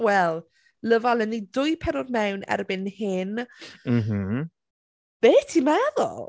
Wel Love Island ni dwy pennod mewn erbyn hyn... m-hm... Be ti'n meddwl?